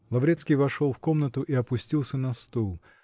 Лаврецкий вошел в комнату и опустился на стул